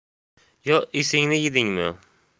yo esingni yedingmi